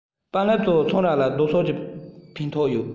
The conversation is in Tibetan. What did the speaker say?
པང ལེབ གཙོ བོ ཚོང ར ལ ལྡོག ཕྱོགས ཀྱི ཕོག ཐུག ཡོད